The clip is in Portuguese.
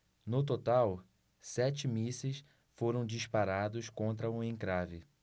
no total sete mísseis foram disparados contra o encrave